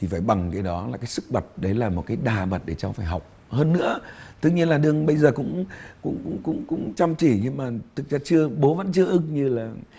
thì phải bằng cái đó là cái sức bật đấy là một cái đà bật để cháu phải học hơn nữa tất nhiên là đương bây giờ cũng cũng cũng cũng cũng chăm chỉ nhưng mà thực ra chưa bố vẫn chưa ưng như là